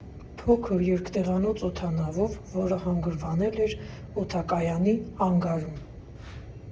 Փոքր, երկտեղանոց օդանավով, որը հանգրվանել էր օդակայանի անգարում։